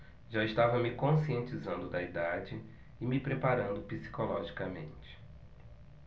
já estava me conscientizando da idade e me preparando psicologicamente